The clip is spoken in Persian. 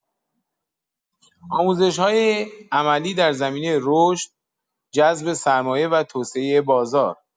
آموزش‌های عملی در زمینه رشد، جذب سرمایه و توسعۀ بازار